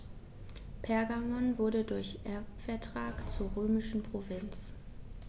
Pergamon wurde durch Erbvertrag zur römischen Provinz.